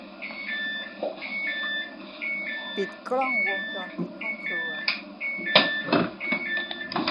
ปิดกล้องวงจรปิดห้องครัว